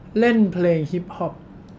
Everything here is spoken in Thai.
เล่นเพลงฮิปฮอป